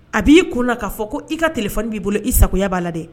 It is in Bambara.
A b'i kunna k'a fɔ ko i ka telefoni b'i bolo i ka sago b'a la dɛ.